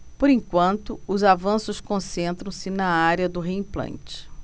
por enquanto os avanços concentram-se na área do reimplante